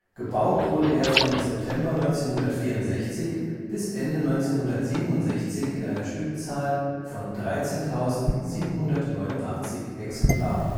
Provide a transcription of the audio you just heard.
Gebaut wurde er von September 1964 bis Ende 1967 in einer Stückzahl von 13.789 Exemplaren